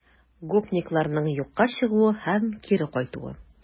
Гопникларның юкка чыгуы һәм кире кайтуы